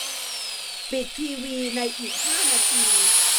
ปิดทีวีในอีกห้านาที